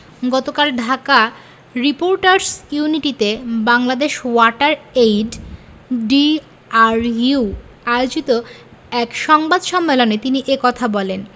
গতকাল ঢাকা রিপোর্টার্স ইউনিটিতে DRU water aid Bangladesh আয়োজিত এক সংবাদ সম্মেলনে তিনি এ কথা বলেন